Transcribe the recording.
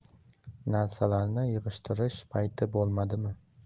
narsalarni yig'ishtirish payti bo'lmadimi